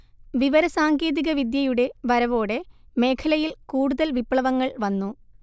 വിവരസാങ്കേതികവിദ്യയുടെ വരവോടെ മേഖലയിൽ കൂടുതൽ വിപ്ലവങ്ങൾ വന്നു